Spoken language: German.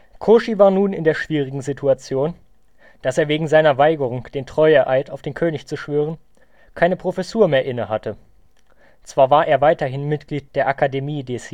Cauchy war nun in der schwierigen Situation, dass er wegen seiner Weigerung, den Treueeid auf den König zu schwören, keine Professur mehr innehatte. Zwar war er weiterhin Mitglied der Académie des Sciences